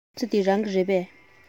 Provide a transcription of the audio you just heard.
སྒྲོག རྩེ འདི རང གི རེད པས